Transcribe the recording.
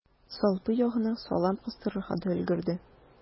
Салпы ягына салам кыстырырга да өлгерде.